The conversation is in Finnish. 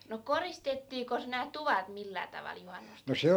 no koristettiinkos nämä tuvat millään tavalla -